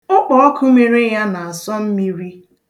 Ụkpọọkụ mere ya na-asọ mmiri.